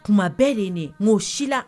Kuma bɛɛ de nin' si la